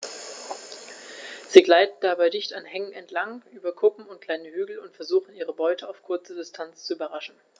Sie gleiten dabei dicht an Hängen entlang, über Kuppen und kleine Hügel und versuchen ihre Beute auf kurze Distanz zu überraschen.